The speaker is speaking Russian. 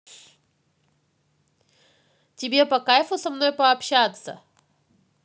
тебе по кайфу со мной пообщаться